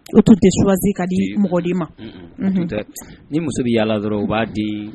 I tɛ s suwaze ka di mɔgɔ di ma ni muso bɛ yaasɔrɔ u b'a di